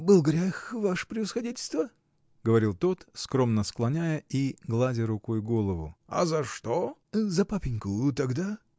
— Был грех, ваше превосходительство, — говорил тот, скромно склоняя и гладя рукой голову. — А за что? — За папеньку тогда.